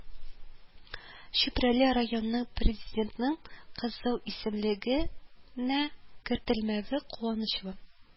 “чүпрәле районының президентның “кызыл исемлеге”нә кертелмәве куанычлы